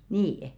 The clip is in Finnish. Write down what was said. niin